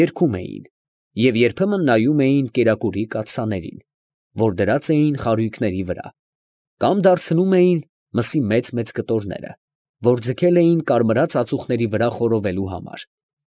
Երգում էին, և երբեմն նայում էին կերակուրի կաթսաներին, որ դրած էին խարույկների վրա, կամ դարձնում էին մսի մեծ֊մեծ կտորները, որ ձգել էին կարմրած ածուխների վրա խորովելու համար։